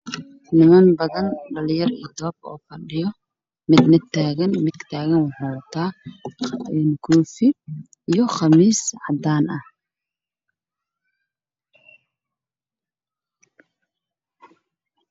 Niman badan iyo dhalinyaro fadhiyo midbaa taagan khamiis iyo koofi wato